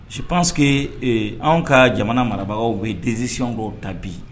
Je pense que ee an ka jamana marabagaw bɛ décisions dɔ ta bi